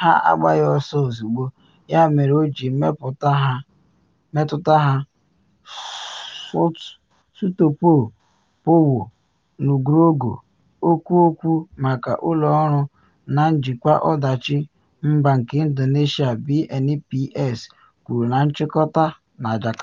ha agbaghị ọsọ ozugbo, ya mere o ji metụta ha,” Sutopo Purwo Nugrogo, okwu okwu maka ụlọ ọrụ njikwa ọdachi mba nke Indonesia BNPS kwuru na nchịkọta na Jakarta.